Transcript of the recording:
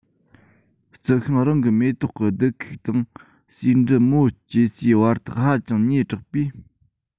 རྩི ཤིང རང གི མེ ཏོག གི རྡུལ ཁུག དང ཟེའུ འབྲུ མོ སྐྱེ སའི བར ཐག ཧ ཅང ཉེ དྲགས པས